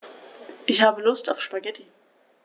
Ich habe Lust auf Spaghetti.